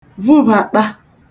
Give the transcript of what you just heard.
vubàṭa